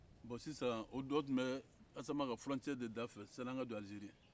bɔn sisan o dɔ tun bɛ asamaka fɔrɔncɛri de dafɛ san'an ka don alizeri